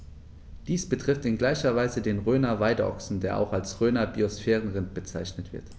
Dies betrifft in gleicher Weise den Rhöner Weideochsen, der auch als Rhöner Biosphärenrind bezeichnet wird.